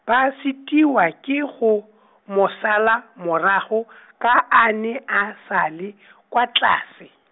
ba sitiwa ke go, mo sala, morago , ka a ne a sa le , kwa tlase.